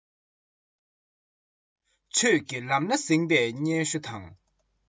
ཆོས ཀྱི ལམ སྣ ཟིན པའི སྙན ཞུ དང